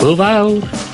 Hwyl fawr!